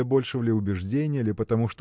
для большего ли убеждения или потому